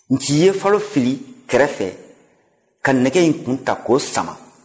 nci ye falo fili kɛrɛfɛ ka nɛgɛ in kun ta k'o sama